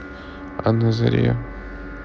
а на заре